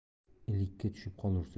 ilikka tushib qolursiz